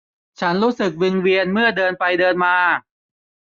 ฉันรู้สึกวิงเวียนเมื่อเดินไปเดินมา